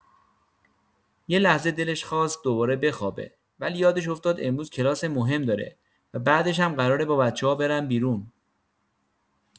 یه لحظه دلش خواست دوباره بخوابه، ولی یادش افتاد امروز کلاس مهم داره و بعدش هم قراره با بچه‌ها برن بیرون.